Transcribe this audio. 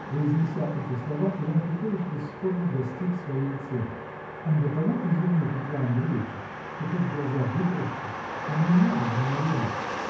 Произнеся эти слова, Иван Петрович, бесспорно, достиг своей цели: он до того изумил Петра Андреича, что тот глаза вытаращил и онемел на мгновенье